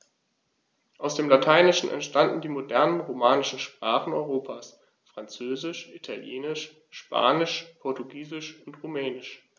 Aus dem Lateinischen entstanden die modernen „romanischen“ Sprachen Europas: Französisch, Italienisch, Spanisch, Portugiesisch und Rumänisch.